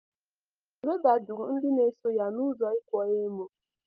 Reyder jụrụ ndị na-eso ya n'ụzọ ịkwa emo.